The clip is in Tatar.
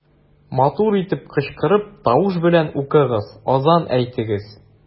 Матур итеп кычкырып, тавыш белән укыгыз, азан әйтегез.